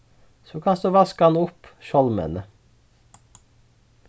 so kanst tú vaska hann upp sjálv meðni